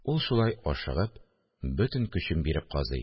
Ул шулай ашыгып, бөтен көчен биреп казый